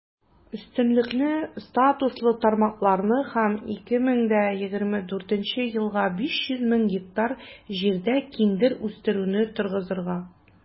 Өстенлекле статуслы тармакларны һәм 2024 елга 500 мең гектар җирдә киндер үстерүне торгызырга.